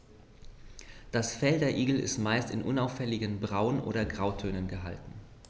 Das Fell der Igel ist meist in unauffälligen Braun- oder Grautönen gehalten.